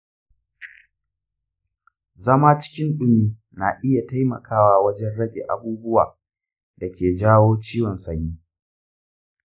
zama cikin ɗumi na iya taimakawa wajen rage abubuwan da ke jawo ciwon tsanani.